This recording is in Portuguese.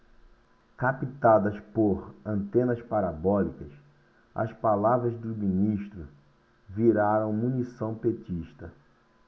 captadas por antenas parabólicas as palavras do ministro viraram munição petista